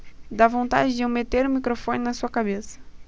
dá vontade de eu meter o microfone na sua cabeça